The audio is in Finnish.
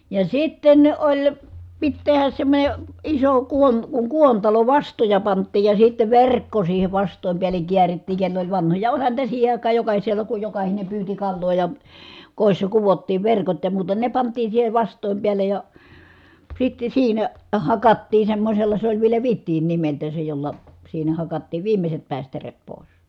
ja sitten oli piti tehdä semmoinen iso - kun kuontalo vastoja pantiin ja sitten verkko siihen vastojen päälle käärittiin kenellä oli vanhoja olihan niitä siihen aikaan jokaisella kun jokainen pyysi kalaa ja kodissa kudottiin verkot ja muuta ne pantiin siihen vastojen päälle ja sitten siinä hakattiin semmoisella se oli vielä vidin nimeltään se jolla siinä hakattiin viimeiset päistäreet pois